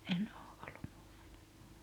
en ole ollut muualla